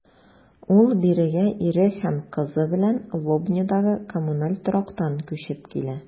Ул бирегә ире һәм кызы белән Лобнядагы коммуналь торактан күчеп килә.